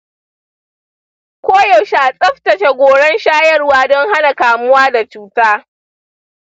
koyaushe a tsaftace goran shayarwa don hana kamuwa da cuta.